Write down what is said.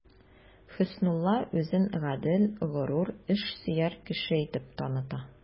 Хөснулла үзен гадел, горур, эшсөяр кеше итеп таныта.